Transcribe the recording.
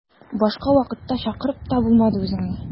Башка вакытта чакырып та булмады үзеңне.